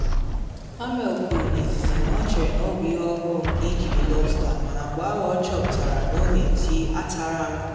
Hammel kwuru n’izizi na ọ chere na ọ bụ ihe ọhụụ nke ijide lọbsta, mana mgbe ahụ ọ “chọpụtara na ọ na eti, “atara m!